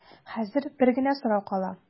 Хәзер бер генә сорау кала.